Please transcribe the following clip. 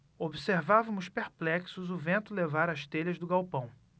observávamos perplexos o vento levar as telhas do galpão